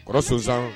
Kɔrɔ sonsan